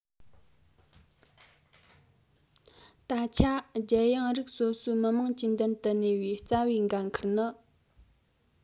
ད ཆ རྒྱལ ཡོངས རིགས སོ སོའི མི དམངས ཀྱི མདུན དུ གནས པའི རྩ བའི འགན ཁུར ནི